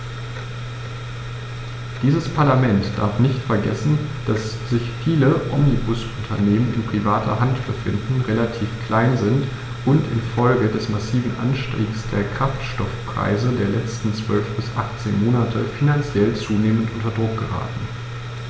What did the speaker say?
Dieses Parlament darf nicht vergessen, dass sich viele Omnibusunternehmen in privater Hand befinden, relativ klein sind und in Folge des massiven Anstiegs der Kraftstoffpreise der letzten 12 bis 18 Monate finanziell zunehmend unter Druck geraten.